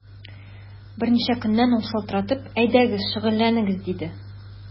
Берничә көннән ул шалтыратып: “Әйдәгез, шөгыльләнегез”, диде.